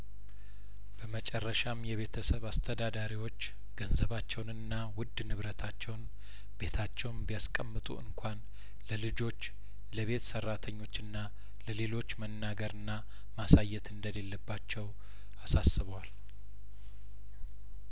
በመጨረሻም የቤተሰብ አስተዳዳሪዎች ገንዘባቸውንና ውድንብረታቸውን ቤታቸውም ቢያስቀምጡ እንኳን ለልጆች ለቤት ሰራተኞችና ለሌሎች መናገርና ማሳየት እንደሌለባቸው አሳስበዋል